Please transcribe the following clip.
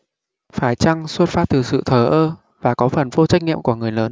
phải chăng xuất phát từ sự thờ ơ và có phần vô trách nhiệm của người lớn